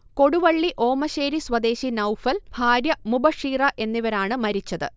കൊടുവളളി ഓമശ്ശേരി സ്വദേശി നൗഫൽ, ഭാര്യ മുബഷീറ എന്നിവരാണ് മരിച്ചത്